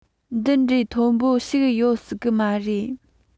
དེ འདྲའི མཐོན པོ ཞིག ཡོད སྲིད གི མ རེད